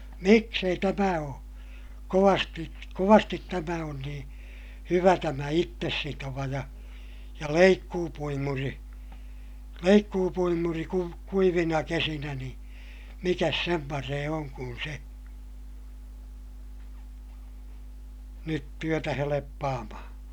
miksi ei tämä ole kovasti kovasti tämä on niin hyvä tämä itsesitova ja ja leikkuupuimuri leikkuupuimuri - kuivina kesinä niin mikäs sen parempi on kuin se nyt työtä helppaamaan